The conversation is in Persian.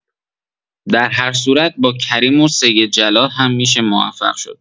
در هر صورت با کریم و سید جلال هم می‌شه موفق شد.